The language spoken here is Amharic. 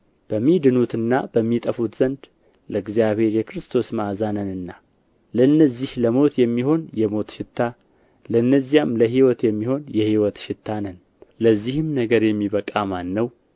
በሚድኑቱና በሚጠፉቱ ዘንድ ለእግዚአብሔር የክርስቶስ መዓዛ ነንና ለእነዚህ ለሞት የሚሆን የሞት ሽታ ለእነዚያም ለሕይወት የሚሆን የሕይወት ሽታ ነን ለዚህም ነገር የሚበቃ ማን ነው